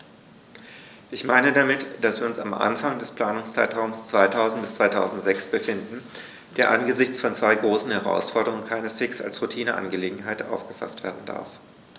Ich meine damit, dass wir uns am Anfang des Planungszeitraums 2000-2006 befinden, der angesichts von zwei großen Herausforderungen keineswegs als Routineangelegenheit aufgefaßt werden darf.